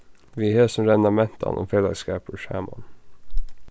við hesum renna mentan og felagsskapur saman